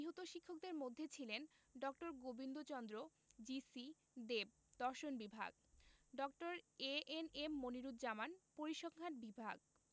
নিহত শিক্ষকদের মধ্যে ছিলেন ড. গোবিন্দচন্দ্র জি.সি দেব দর্শন বিভাগ ড. এ.এন.এম মনিরুজ্জামান পরিসংখান বিভাগ